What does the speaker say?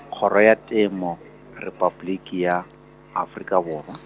Kgoro ya Temo, Repabliki ya, Afrika Borwa.